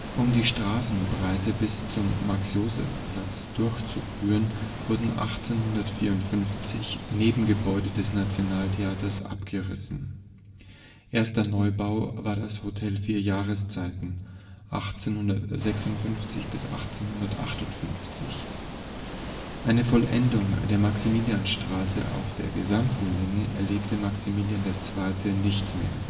Um die Straßenbreite bis zum Max-Joseph-Platz durchzuführen, wurden 1854 Nebengebäude des Nationaltheaters abgerissen. Erster Neubau war das Hotel Vierjahreszeiten (1856 – 1858). Eine Vollendung der Maximiliansstraße auf der gesamten Länge erlebte Maximilian II. nicht mehr